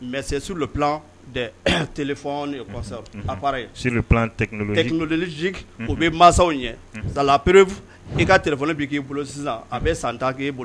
Mais c'est sur le plan des télephon whatsapp, appareil, sur le plan technologique, technologique u bɛ mansaw ɲɛ c'est la preuve i ka télephone bɛ k'i bolo sisan, a bɛ san 10 k'i bolo